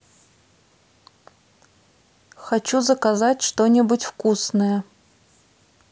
хочу заказать что нибудь вкусное